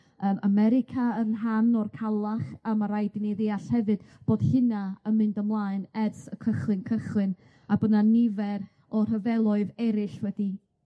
yym America yn rhan o'r cawlach, a ma' raid i ni ddeall hefyd bod hynna yn mynd ymlaen ers y cychwyn cychwyn a bo' 'na nifer o rhyfeloedd eryll wedi